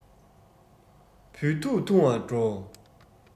བོད ཐུག འཐུང བར འགྲོ